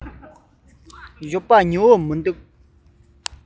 ཞོགས པ ཉི འོད མི འདུག ས ཁྲོམ གྱི གཞུང ནས